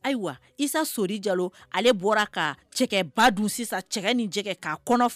Ayiwa isa sori jalo ale bɔra ka cɛba dun sisan cɛ ni k'a kɔnɔ